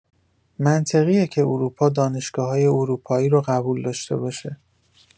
منطقیه که اروپا دانشگاه‌‌های اروپایی رو قبول داشته باشه